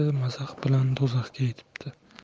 mazax bilan do'zaxga yetibdi